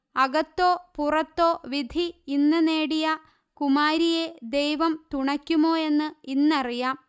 അകത്തോ പുറത്തോ വിധി ഇന്ന് നേടിയ കുമാരിയെ ദൈവം തുണയ്ക്കുമോ എന്ന് ഇന്നറിയാം